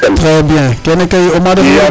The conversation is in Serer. Trés bien kene koy o maad oxe